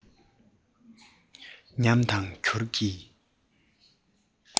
ཉམས དང འགྱུར གྱི